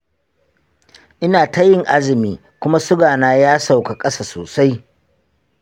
ina ta yin azumi kuma sugana ya sauka ƙasa sosai.